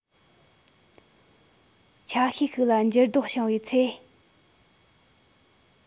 ཆ ཤས ཤིག ལ འགྱུར ལྡོག བྱུང བའི ཚེ